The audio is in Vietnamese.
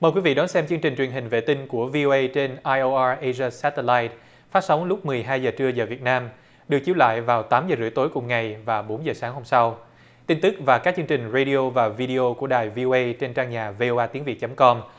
mời quý vị đón xem chương trình truyền hình vệ tinh của vi âu ây trên a âu a ây dìa xét tờ lai phát sóng lúc mười hai giờ trưa giờ việt nam được chiếu lại vào tám giờ rưỡi tối cùng ngày và bốn giờ sáng hôm sau tin tức và các chương trình rây đi ô và vi đi ô của đài vi âu ây trên trang nhà vê ô a tiếng việt chấm com